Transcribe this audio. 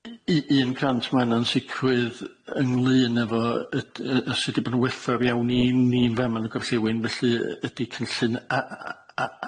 U- un grant ma' angan sicrwydd ynglŷn â fo yd-, yy a sy 'di bod yn werthfawr iawn i ni'n fa'ma yn y gorllewin felly y- ydi cynllun a- a- a- a-